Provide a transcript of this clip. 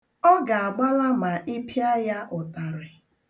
Ọ ga-agbala ma ị pịa ya ụtarị.